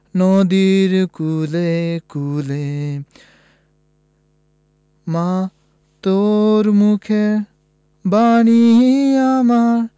নদীর কূলে কূলে মা তোর মুখের বাণী আমার